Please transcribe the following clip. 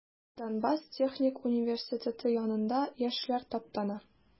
Донбасс техник университеты янында яшьләр таптана.